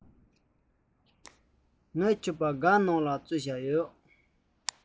ངའི ཕྱུ པ སྒམ ནང ལ བཞག ཡོད